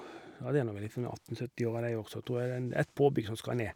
Ja, det er nå vel ifra atten søttiåra, de også, tror jeg, det er en ett påbygg som skal ned.